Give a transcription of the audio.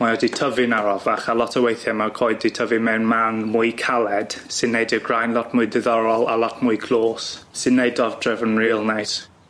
Mae o ‘di tyfu'n arafach a lot o weithie ma'r coed ‘di tyfu mewn man mwy caled sy'n neud i'r gwrain lot mwy diddorol a lot mwy clos sy'n neud dodrefn rîl neis.